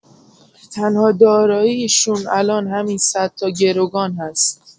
تنها دارایی‌شون الان همین صد تا گروگان هست.